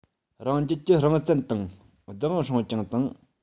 རང རྒྱལ གྱི རང བཙན དང བདག དབང སྲུང སྐྱོང དང